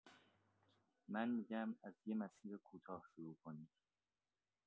من می‌گم از یه مسیر کوتاه شروع کنیم.